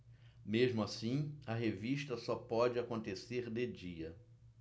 mesmo assim a revista só pode acontecer de dia